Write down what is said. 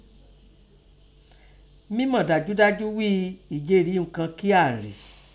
Mímọ̀ dajudaju ghí i ijeri ihun kí áà ri.